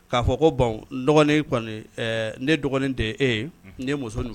K' fɔ ko bon dɔgɔnin ne dɔgɔnin tɛ e ne muso ninnu